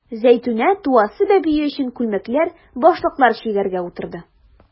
Зәйтүнә туасы бәбие өчен күлмәкләр, башлыклар чигәргә утырды.